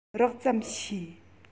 རགས ཙམ ཤེས